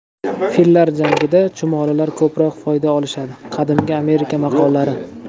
fillar jangida chumolilar ko'proq foyda olishadi qadimgi amerika maqollari